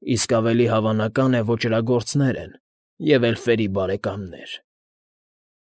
Իսկ ավելի հավանական է, ոճրագործներ են և էլֆերի բարեկամներ։